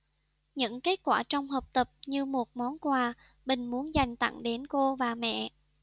những kết quả trong học tập như một món quà bình muốn dành tặng đến cô và mẹ